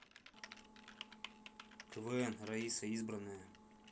квн раиса избранное